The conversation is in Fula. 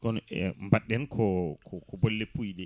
kono e badɗen ko ko bolle puyɗe